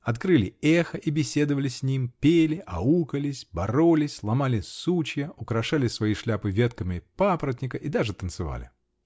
Открыли эхо и беседовали с ним, пели, аукались, боролись, ломали сучья, украшали свои шляпы ветками папоротника и даже танцевали.